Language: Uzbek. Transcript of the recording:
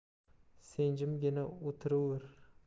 san jimgina o'tiravur